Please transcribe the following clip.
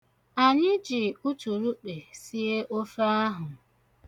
Anyị ji uturukpe sie ofe ahụ.